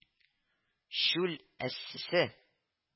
Чүл эссесе